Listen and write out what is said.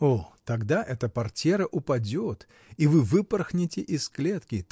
— О, тогда эта портьера упадет, и вы выпорхнете из клетки